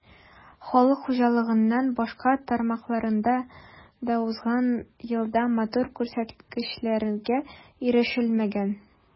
Халык хуҗалыгының башка тармакларында да узган елда матур күрсәткечләргә ирешелгән.